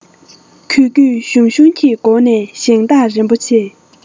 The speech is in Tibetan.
གུས གུས ཞུམ ཞུམ གྱི སྒོ ནས ཞིང བདག རིན པོ ཆེ